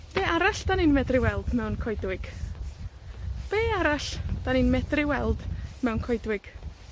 Be' arall 'dan ni'n medru weld mewn coedwig? Be' arall 'dan ni'n medru weld mewn coedwig?